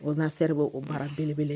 O na se bɔ oo baara belebele